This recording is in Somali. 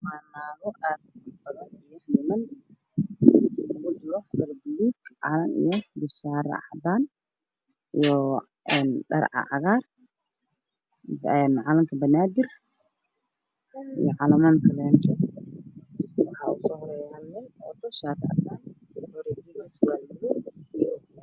Meeshaa waxaa ka muuqda dumar fara badan oo ku jira leen waxayna wataan calan buluug ah iyo go-aan ah waxaa ag taagan dad iyo niman